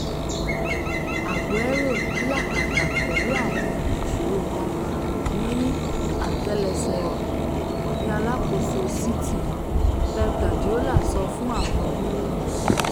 Aguero ńlàkàkà pẹ̀lú àwọn ìṣòro kan ní àtẹ́lẹs̵ẹ̀ rẹ̀,'' ni aláàkóso City Pep Guardiola sọ fún àwọn oníròyìn.